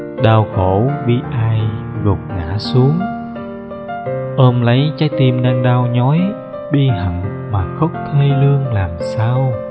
đau khổ bi ai gục ngã xuống ôm lấy trái tim đang đau nhói bi hận mà khóc thê lương làm sao